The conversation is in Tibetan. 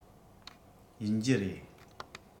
ཡིན རྒྱུ རེད